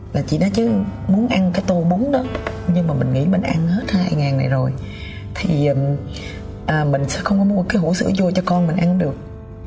và chị nói chứ muốn cái ăn tô bún đó nhưng mà mình nghĩ mình ăn hết hai ngàn này rồi thì à mình sẽ không có mua cái hũ sữa chua cho con mình ăn được